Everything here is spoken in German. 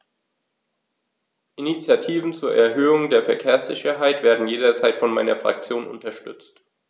Initiativen zur Erhöhung der Verkehrssicherheit werden jederzeit von meiner Fraktion unterstützt.